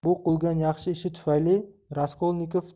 bu qilgan yaxshi ishi tufayli raskolnikov